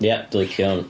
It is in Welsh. Ia, dwi'n licio hwn.